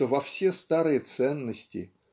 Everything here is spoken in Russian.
что во все старые ценности